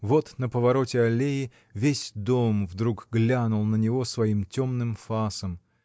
Вот, на повороте аллеи, весь дом вдруг глянул на него своим темным фасом